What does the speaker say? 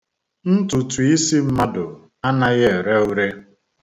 Ntutu isi mmadụ anaghị ere ure.